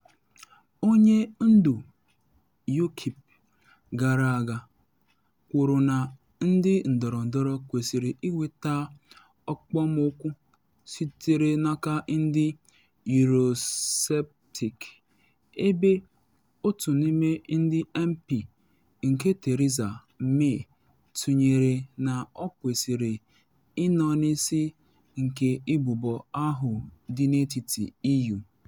Onye ndu Ukip gara aga kwuru na ndị ndọrọndọrọ kwesịrị ‘ịnweta okpomọkụ’ sitere n’aka ndị Eurosceptics - ebe otu n’ime ndị MP nke Theresa May tụnyere na ọ kwesịrị ị nọ n’isi nke ụbụbọ ahụ dị n’etiti EU.